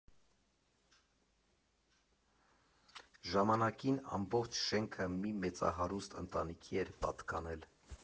Ժամանակին ամբողջ շենքը մի մեծահարուստ ընտանիքի էր պատկանել։